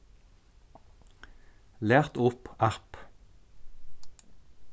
lat upp app